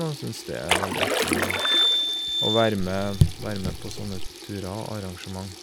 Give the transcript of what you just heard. Og syns dét er veldig artig å å vær med være med på sånne turer og arrangement.